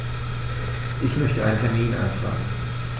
Ich möchte einen Termin eintragen.